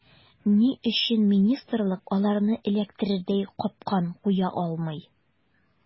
Ни өчен министрлык аларны эләктерердәй “капкан” куя алмый.